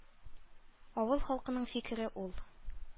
Авыл халкының фикере ул.